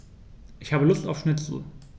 Ich habe Lust auf Schnitzel.